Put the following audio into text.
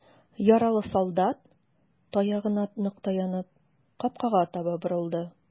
Яралы солдат, таягына нык таянып, капкага таба борылды.